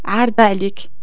عارضة عليك